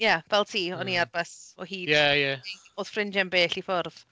Ie fel ti o'n i ar bus o hyd... Ie ie. ...Oedd ffrindiau'n bell i ffwrdd.